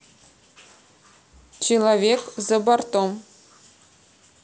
человек за бортом